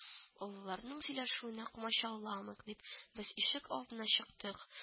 Олыларның сөйләшүенә камачауламыйк, дип, без ишек алдына чыктык